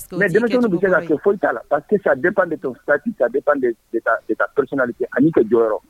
Mɛ denmisɛn bɛ se foyi t'a la sisan de tun pati kali ani ka jɔyɔrɔ yɔrɔ